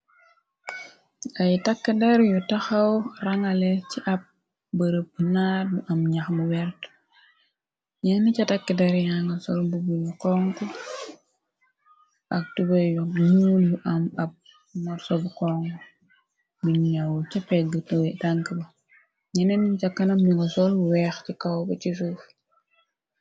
Ay takki-dar yu taxaw rangale ci ab bërëb b naar du am ñax mu wert ñenn ca takk-dar yanga sol bubunu kong ak tube yo nuul yu am ab morsob kong bi ñaw ce pegg tue tank bi ñenneenn ñi ca kanam ñu ngo sol bu weex ci kaw ba ci suuf.